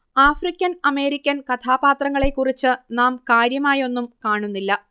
African American കഥാപാത്രങ്ങളെക്കുറിച്ച് നാം കാര്യമായൊന്നും കാണുന്നില്ല